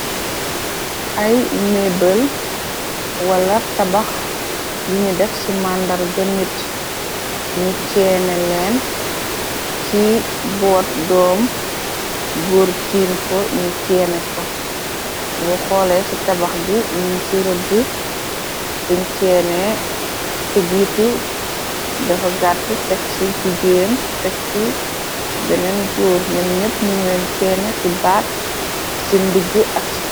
Ay mabal, wala tabax yiñu def ci màndarga nit, ñu ceene leen, ci boot doom guur tiim ko ñu ceene ko, bu xoole ci tabax gi, nin ci rëdd buñceene, ko jiitu dafa gàtt, tek si jigéen, tekki beneen góur, ñum ñepp ñu ngoen cenne ci baat, ci ndigg ak sit.